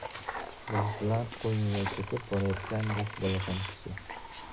bulutlar qo'ynida ketib borayotgandek bo'lasan kishi